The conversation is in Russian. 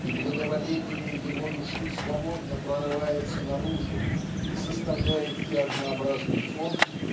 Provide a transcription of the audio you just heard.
и благоволение его души свободно прорывается наружу и составляет и однообразный фон